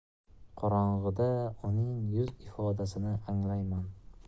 qorong'ida uning yuz ifodasini anglayman